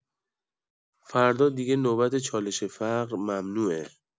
فردا دیگه نوبت چالش فقر ممنوعه.